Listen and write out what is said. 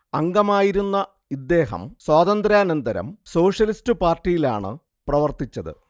അംഗമായിരുന്ന ഇദ്ദേഹം സ്വാതന്ത്ര്യാനന്തരം സോഷ്യലിസ്റ്റ് പാർട്ടിയിലാണ് പ്രവർത്തിച്ചത്